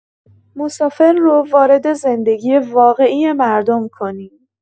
مسافر رو وارد زندگی واقعی مردم کنیم.